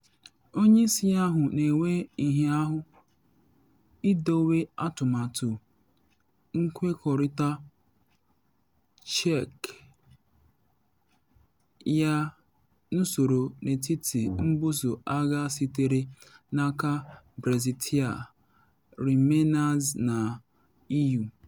Onye isi ahụ na enwe nhịahụ idowe atụmatụ nkwekọrịta Chequers ya n’usoro n’etiti mbuso agha sitere n’aka Brexiteers, Remainers na EU.